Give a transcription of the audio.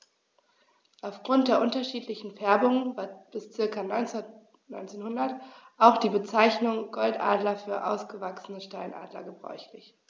Auf Grund der unterschiedlichen Färbung war bis ca. 1900 auch die Bezeichnung Goldadler für ausgewachsene Steinadler gebräuchlich.